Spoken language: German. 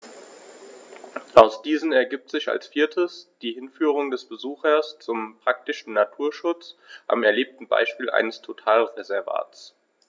Aus diesen ergibt sich als viertes die Hinführung des Besuchers zum praktischen Naturschutz am erlebten Beispiel eines Totalreservats.